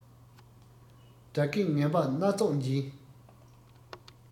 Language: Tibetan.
སྒྲ སྐད ངན པ སྣ ཚོགས འབྱིན